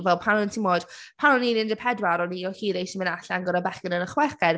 Fel pan timod, pan o’n i’n un deg pedwar o’n i o hyd isie mynd allan gyda bechgyn yn y chweched.